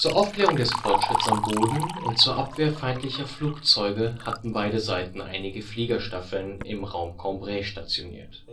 Aufklärung des Fortschritts am Boden und zur Abwehr feindlicher Flugzeuge hatten beide Seiten einige Fliegerstaffeln im Raum Cambrai stationiert